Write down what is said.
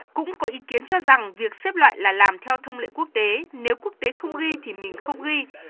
cũng có ý kiến cho rằng việc xếp loại là làm theo thông lệ quốc tế nếu quốc tế không ghi thì mình không ghi